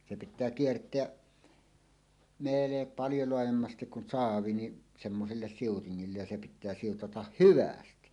se pitää kiertää - paljon laajemmasti kun saavi niin semmoiselle siutingille ja se pitää siutata hyvästi